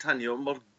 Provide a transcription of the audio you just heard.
tanio mor